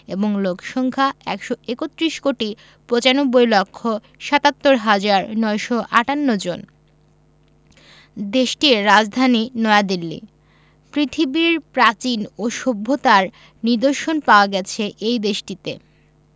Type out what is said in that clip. এবং লোক সংখ্যা ১৩১ কোটি ৯৫ লক্ষ ৭৭ হাজার ৯৫৮ জন দেশটির রাজধানী নয়াদিল্লী পৃথিবীর প্রাচীন ও সভ্যতার নিদর্শন পাওয়া গেছে এ দেশটিতে